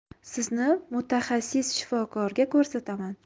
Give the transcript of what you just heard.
sizni mutaxassisshifokorga ko'rsataman